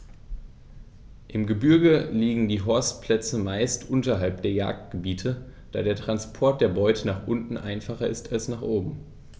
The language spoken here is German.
Im Gebirge liegen die Horstplätze meist unterhalb der Jagdgebiete, da der Transport der Beute nach unten einfacher ist als nach oben.